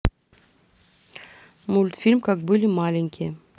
мультфильм как были маленькие